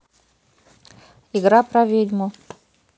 игра про ведьму